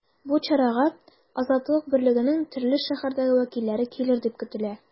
Бу чарага “Азатлык” берлегенең төрле шәһәрдәге вәкилләре килер дип көтелә.